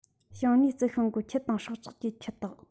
བྱང སྣེའི རྩི ཤིང གི ཁྱུ དང སྲོག ཆགས ཀྱི ཁྱུ དག